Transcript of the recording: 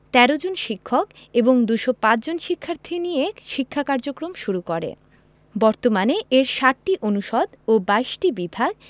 ১৩ জন শিক্ষক এবং ২০৫ জন শিক্ষার্থী নিয়ে শিক্ষাক্রম শুরু করে বর্তমানে এর ৭টি অনুষদ ও ২২টি বিভাগ